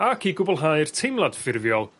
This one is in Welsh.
Ac i gwblhau'r teimlad ffurfiol